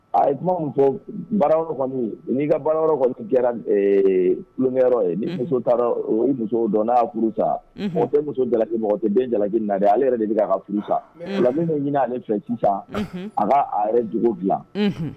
Tuma muso bara kɔni n'i ka baara kɔni kɛra tulonkɛ ye ni muso taara o muso dɔn n' furusa fo tɛ muso jalaki mɔgɔ tɛ den jalaki naa ale yɛrɛ de' ka furu sa bɛ ɲinin ale fɛ sisan a ka a yɛrɛ jugu bila